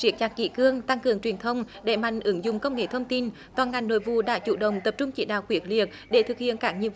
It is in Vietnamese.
siết chặt kỷ cương tăng cường truyền thông đẩy mạnh ứng dụng công nghệ thông tin và ngành nội vụ đã chủ động tập trung chỉ đạo quyết liệt để thực hiện các nhiệm